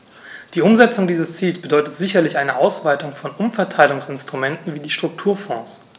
Die Umsetzung dieses Ziels bedeutet sicherlich eine Ausweitung von Umverteilungsinstrumenten wie die Strukturfonds.